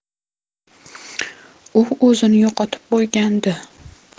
u o'zini yo'qotib qo'ygandi